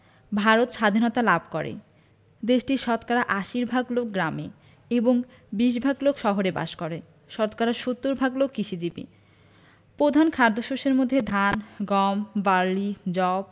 ভারত সাধীনতা লাভ করেদেশটির শতকরা ৮০ ভাগ লোক গ্রামে এবং ২০ ভাগ লোক শহরে বাস করেশতকরা ৭০ ভাগ লোক কিষিজীবী পধান খাদ্যশস্যের মধ্যে ধান গম বার্লি যব